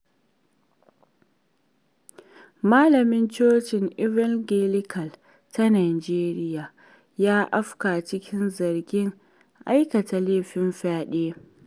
Malamin cocin Evangelical ta Nijeriya ya afka cikin zargin aikata laifin fyaɗe.